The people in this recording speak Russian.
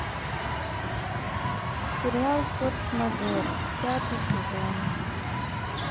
сериал форс мажоры пятый сезон